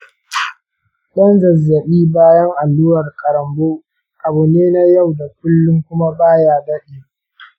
ɗan zazzabi bayan allurar ƙarambo abu ne na yau da kullum kuma ba ya daɗe.